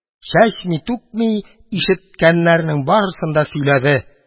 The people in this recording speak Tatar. Чәчми-түкми, ишеткәннәрнең барысын да сөйләде.